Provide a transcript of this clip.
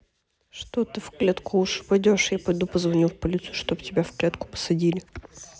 что ты в клетку лучше пойдешь я пойду позвоню в полицию чтоб тебя в клетку посадили